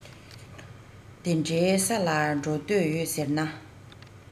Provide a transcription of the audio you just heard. དེ འདྲའི ས རུ འགྲོ འདོད ཡོད ཟེར ན